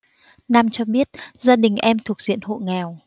nam cho biết gia đình em thuộc diện hộ nghèo